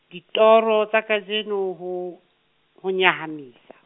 ditoro tsa kajeno ho, ho nyahamisa.